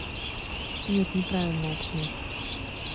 нет неправильно этот месяц